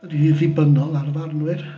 Yn ddibynnol ar farnwyr.